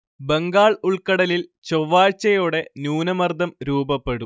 ബംഗാൾ ഉൾക്കടലിൽ ചൊവ്വാഴ്ചയോടെ ന്യൂനമർദം രൂപപ്പെടും